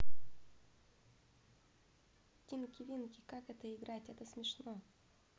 тинки винки как это играть это смешно